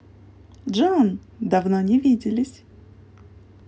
джон давно не виделись